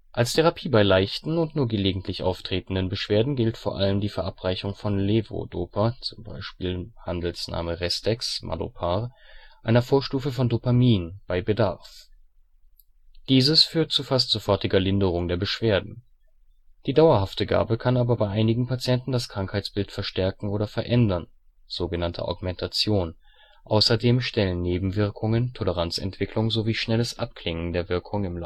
Als Therapie bei leichten und nur gelegentlich auftretenden Beschwerden gilt vor allem die Verabreichung von Levodopa (z.B. Restex ®, Madopar ®), einer Vorstufe von Dopamin, bei Bedarf. Dieses führt zu fast sofortiger Linderung der Beschwerden. Die dauerhafte Gabe kann aber bei einigen Patienten das Krankheitsbild verstärken oder verändern (sogenannte Augmentation), außerdem stellen Nebenwirkungen, Toleranzentwicklung sowie schnelles Abklingen der Wirkung